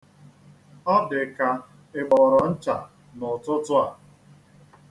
Ọ dịka ị gbọrọ ncha n'ụtụtụ a?